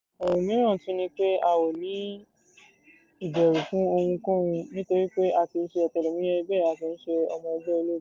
Ohun mìíràn tún ni pé, a ò ní ìbẹ̀rù fún ohunkóhun, nítorí pé a kìí ṣe ọ̀tẹlẹ̀múyẹ́ bẹ́ẹ̀ a kìí ṣe ọmọ ẹgbẹ́ ológun.